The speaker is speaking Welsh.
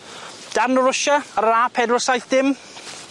Darn o Rwsia ar yr A pedwar saith dim?